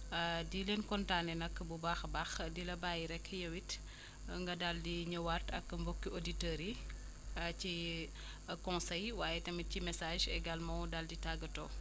di leen kontaane nag bu baax a baax di la bàyyi rek yow it nga daal di ñëwaat ak mbokki auditeurs yi ci conseil waaye tamit ci message également daal di tàggatoo